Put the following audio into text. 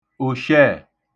òshẹẹ̀